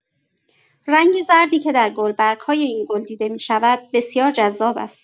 رنگ زردی که در گلبرگ‌های این گل دیده می‌شود، بسیار جذاب است.